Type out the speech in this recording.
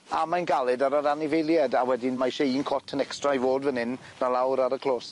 A mae'n galed ar yr anifeilied a wedyn ma' isie un cot yn extra i fod fyn 'yn na lawr ar y clos.